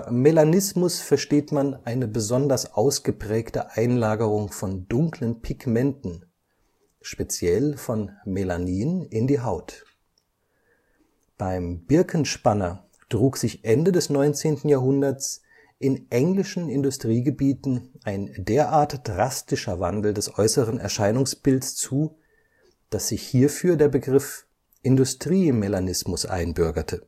Melanismus versteht man eine besonders ausgeprägte Einlagerung von dunklen Pigmenten (speziell von Melanin) in die Haut. Beim Birkenspanner trug sich Ende des 19. Jahrhunderts in englischen Industriegebieten ein derart drastischer Wandel des äußeren Erscheinungsbilds zu, dass sich hierfür der Begriff „ Industriemelanismus “einbürgerte